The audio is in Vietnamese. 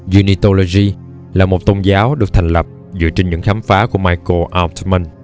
unitology là một tôn giáo được thành lập dựa trên những khám phá của michael altman